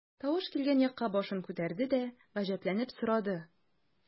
Тавыш килгән якка башын күтәрде дә, гаҗәпләнеп сорады.